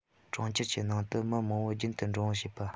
གྲོང ཁྱེར གྱི ནང དུ མི མང པོ རྒྱུན དུ འགྲོ འོང བྱེད པ